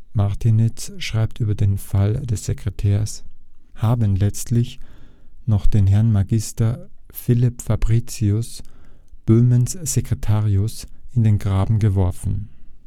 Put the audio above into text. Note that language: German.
Martinitz schreibt über den Fall des Sekretärs: Haben letztlich noch den Herrn Magister Phillip Fabricius, röm. kais. Rat und Kgr. Böhmens Sekretarius [...], in den Graben geworfen. Der